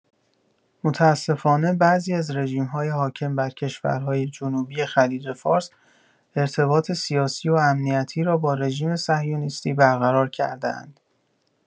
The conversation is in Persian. متاسفانه بعضی از رژیم‌های حاکم بر کشورهای جنوبی خلیج‌فارس، ارتباط سیاسی و امنیتی را با رژیم صهیونیستی برقرار کرده‌اند.